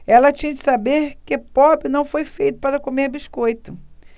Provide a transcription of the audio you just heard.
ela tinha de saber que pobre não foi feito para comer biscoito